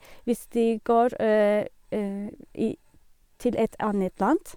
Hvis de går i til et annet land.